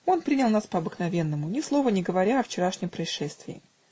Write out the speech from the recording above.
Он принял нас по-обыкновенному, ни слова не говоря о вчерашнем происшествии.